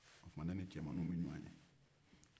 o tuma ne ni cɛmannin be ɲɔgɔn ye